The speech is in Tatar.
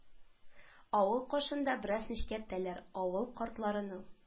Авыл кашын да бераз нечкәртәләр авыл картларының